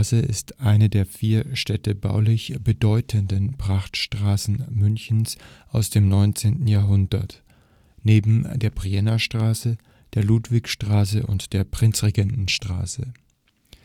ist eine der vier städtebaulich bedeutenden Prachtstraßen Münchens aus dem 19. Jahrhundert, neben der Brienner Straße, der Ludwigstraße und der Prinzregentenstraße. Die